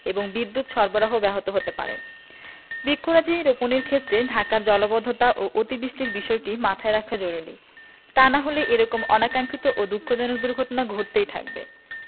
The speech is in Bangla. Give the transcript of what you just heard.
এবং বিদ্যুত সরবরাহ ব্যাহত হতে পারে বৃক্ষরাজি রোপণের ক্ষেত্রে ঢাকার জলাবদ্ধতা ও অতি বৃষ্টির বিষয়টিও মাথায় রাখা জরুরী তা না হলে এ রকম অনাকাংক্ষিত ও দুঃখজনক দুর্ঘটনা ঘটতেই থাকবে